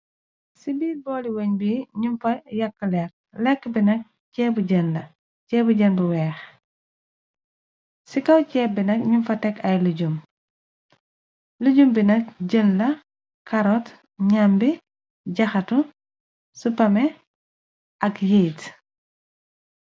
Ci biir booli weñ bi ñung fa yàkk lekka lekka bi nak ceébu jën la, ceébu jën bu wèèx ci kaw cèèb bi nak ñing fa tek ay lajum, lajum bi nak jën, la karot, ñambi jaxatu, supamè ak yéét.